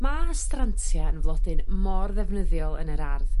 Ma' astrantia yn flodyn mor ddefnyddiol yn yr ardd.